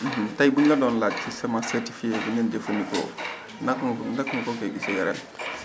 tey bu ñu la doon laaj ci semence certifiée bi ngeen jëfandikoo naka nga ko naka nga ko gisee ren